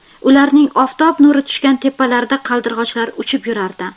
ularning oftob nuri tushgan tepalarida qaldirg'ochlar uchishib yurardi